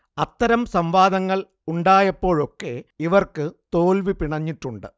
അത്തരം സംവാദങ്ങൾ ഉണ്ടായപ്പോഴൊക്കെ ഇവർക്ക് തോൽവി പിണഞ്ഞിട്ടുണ്ട്